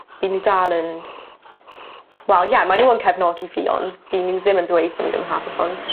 by ni dal yn... Wel ie ma' n'w yn cefnogi fi ond by n'w ddim yn dweud bo' n'w ddim yn hapus ond